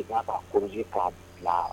Ka kuru'a bila